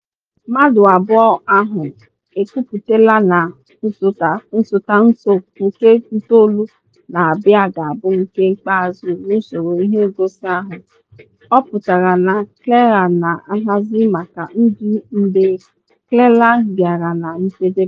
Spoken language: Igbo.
Mmadụ abụọ ahụ ekwuputela na nsotanso nke itoolu na abịa ga-abụ nke ikpeazụ n’usoro ihe ngosi ahụ, ọ pụtara na Kiernan na ahazi maka ndụ mgbe Craiglang bịara na njedebe.